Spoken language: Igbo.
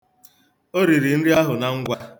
O riri nri ahụ na ngwa.